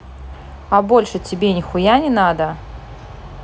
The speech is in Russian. а больше тебе нихуя не надо